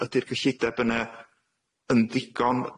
Ydi'r gyllideb yne yn ddigon?